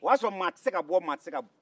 o y'a sɔrɔ maa tɛ se ka bɔ maa tɛ se ka don